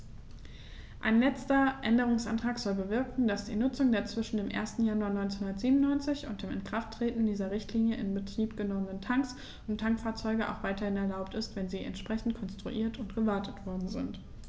Ein letzter Änderungsantrag soll bewirken, dass die Nutzung der zwischen dem 1. Januar 1997 und dem Inkrafttreten dieser Richtlinie in Betrieb genommenen Tanks und Tankfahrzeuge auch weiterhin erlaubt ist, wenn sie entsprechend konstruiert und gewartet worden sind.